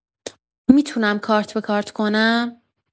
می‌تونم کارت‌به‌کارت کنم؟